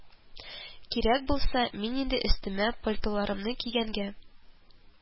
Кирәк булса, мин инде өстемә пальтоларымны кигәнгә